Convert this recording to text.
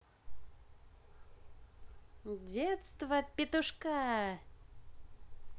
детства петушка